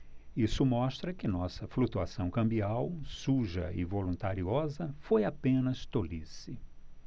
isso mostra que nossa flutuação cambial suja e voluntariosa foi apenas tolice